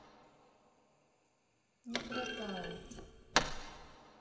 не хватает